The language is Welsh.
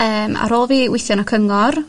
yym ar ôl fi wiithio yn y Cyngor